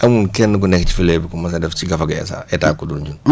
amuñ kenn ku nekk si filière bi ku mos a def si gafa gi * état ko jënd